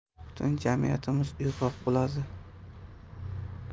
butun jamiyatimiz uyg'oq bo'ladi